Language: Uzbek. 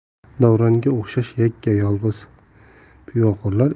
davronga o'xshash yakka yolg'iz pivoxo'rlar